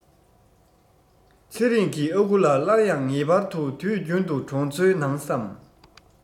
ཚེ རིང གི ཨ ཁུ ལ སླར ཡང ངེས པར དུ དུས རྒྱུན དུ གྲོང ཚོའི ནང བསམ